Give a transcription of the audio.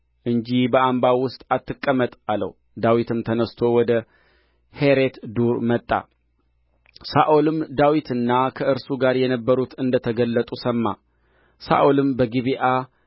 እንጂ በአምባው ውስጥ አትቀመጥ አለው ዳዊትም ተነሥቶ ወደ ሔሬት ዱር መጣ ሳኦልም ዳዊትና ከእርሱ ጋር የነበሩት እንደ ተገለጡ ሰማ ሳኦልም በጊብዓ